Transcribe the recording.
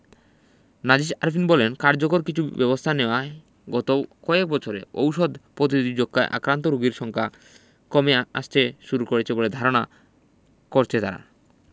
নাজিস আরেফিন বলেন কার্যকর কিছু ব্যবস্থা নেওয়ায় গত কয়েক বছরে ওষুধ পতিরোধী যক্ষ্মায় আক্রান্ত রোগীর সংখ্যা কমে আসতে শুরু করেছে বলে ধারণা করেছে তারা